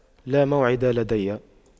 لا موعد لدي